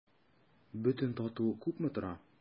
Бөтен тату күпме тора?